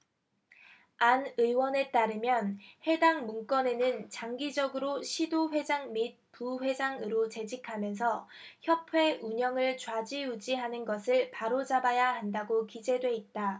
안 의원에 따르면 해당 문건에는 장기적으로 시도회장 및 부회장으로 재직하면서 협회 운영을 좌지우지하는 것을 바로잡아야 한다고 기재돼 있다